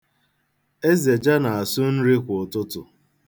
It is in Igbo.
Ezeja na-asụ nri kwa ụtụtụ.